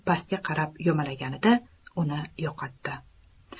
pastga qarab yumalaganida uni yo'qotdi